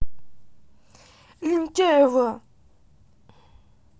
лентяево